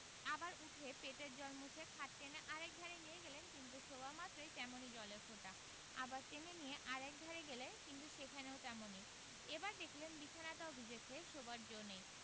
আবার উঠে পেটের জল মুছে খাটটা টেনে নিয়ে আর একধারে গেলেন কিন্তু শোবামাত্রই তেমনি জলের ফোঁটা আবার টেনে নিয়ে আর একধারে গেলেন কিন্তু সেখানেও তেমনি এবার দেখলেন বিছানাটাও ভিজেছে শোবার জো নেই